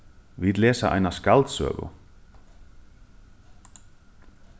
vit lesa eina skaldsøgu